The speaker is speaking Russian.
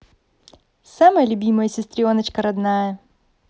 самая любимая сестреночка родная